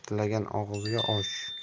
tilagan og'izga osh